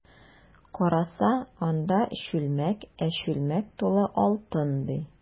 Караса, анда— чүлмәк, ә чүлмәк тулы алтын, ди.